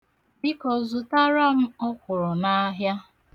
Biko zụtara m ọkwụrụ n'ahịa.